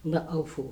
aw fo.